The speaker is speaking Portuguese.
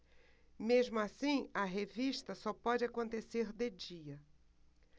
mesmo assim a revista só pode acontecer de dia